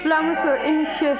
fulamuso i ni ce